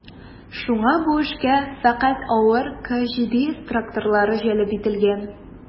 Шуңа бу эшкә фәкать авыр К-700 тракторлары җәлеп ителгән.